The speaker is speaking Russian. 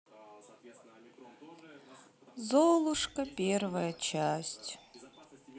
золушка первая часть